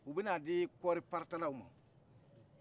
u bɛna di kɔri paratalaw ma